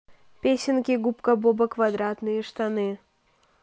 песенки губка боба квадратные штаны